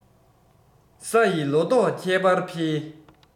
ས ཡི ལོ ཏོག ཁྱད པར འཕེལ